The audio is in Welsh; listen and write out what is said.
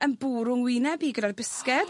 yn bwrw'n ngwyneb i gyda'r bisged...